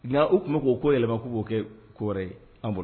Nka u tun bɛ k ko ko yɛlɛma k' k'o kɛ k koɔr ye an bolo